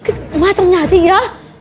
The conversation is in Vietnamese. cái ma trong nhà chị á